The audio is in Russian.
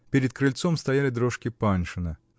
Перед крыльцом стояли дрожки Паншина.